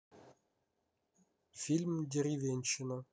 фильм деревенщина